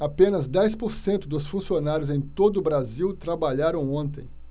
apenas dez por cento dos funcionários em todo brasil trabalharam ontem